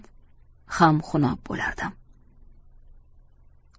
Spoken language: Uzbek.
ham xunob bo'lardim